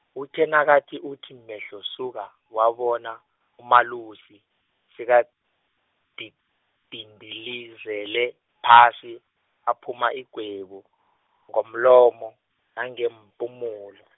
uthe nakathi uthi mehlo suka, wabona uMalusi sekadi- -dindilizele phasi, aphuma igwebu, ngomlomo, nangeempumulo.